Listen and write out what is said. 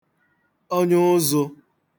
onye uzu